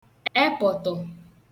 epọ̀tọ̀